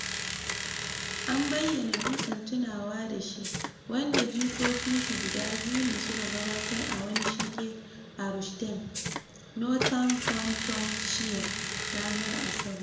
An bayyana dutsen tunawa da shi wanda jikokin shi guda biyu ne suka gabatar a wani shinge a Rushden, Northamptonshire, ranar Asabar.